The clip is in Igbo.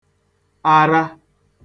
ara